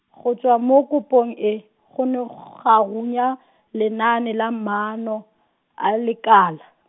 go tswa mo kopong e, go ne g- ga runya, lenaane la maano, a lekala.